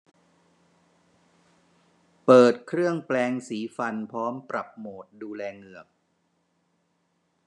เปิดเครื่องแปรงสีฟันพร้อมปรับโหมดดูแลเหงือก